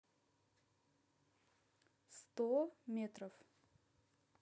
сто метров